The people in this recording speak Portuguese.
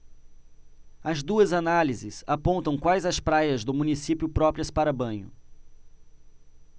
as duas análises apontam quais as praias do município próprias para banho